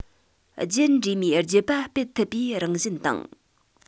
རྒྱུད འདྲེས མའི རྒྱུད པ སྤེལ ཐུབ པའི རང བཞིན དང